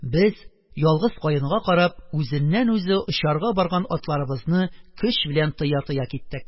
Без, Ялгыз каенга карап, үзеннән-үзе очарга барган атларыбызны көч белән тыя-тыя киттек.